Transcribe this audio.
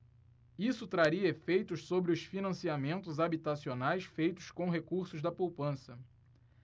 isso traria efeitos sobre os financiamentos habitacionais feitos com recursos da poupança